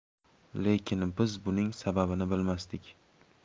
lekin biz buning sababini bilmasdik